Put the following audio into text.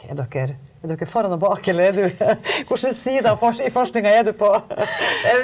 er dere er dere foran og bak eller er du hvilken side av i forskninga er du på ?